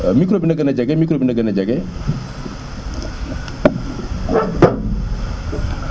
micro bi na gën a jege micro bi na gën a jege